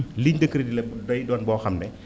ligne de crédit la day doon boo xam ne